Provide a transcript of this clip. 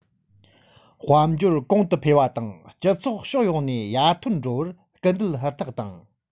དཔལ འབྱོར གོང དུ འཕེལ བ དང སྤྱི ཚོགས ཕྱོགས ཡོངས ནས ཡར ཐོན འགྲོ བར སྐུལ འདེད ཧུར ཐག བཏང